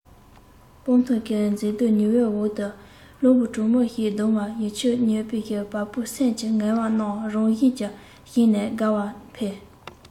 སྤང ཐང གི མཛེས སྡུག ཉི འོད འོག ཏུ རླུང བུ གྲང མོ ཞིག ལྡང བ རྔུལ ཆུས མྱོས པའི བ སྤུ སེམས ཀྱི ངལ བ རྣམས རང བཞིན གྱིས ཞི ནས དགའ བ འཕེལ